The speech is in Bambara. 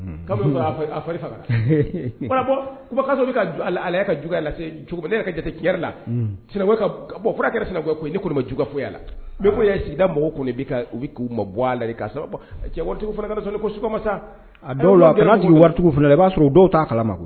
A fagaso ka lase ka tiɲɛ la sina kɛra sinakɔ koyi ne kɔni ma jka f foyiya la ko sigida mɔgɔ kɔni ku ma bɔ la cɛ koma a dɔw la waricogo i b'a sɔrɔ dɔw t'a kala ma